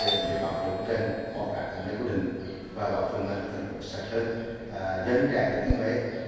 về vấn đề bảo vệ môi trường bỏ rác đúng nơi quy định và góp phần làm cho thành phố sạch hơn doanh nhân trẻ thừa thiên huế